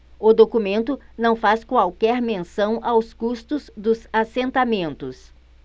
o documento não faz qualquer menção aos custos dos assentamentos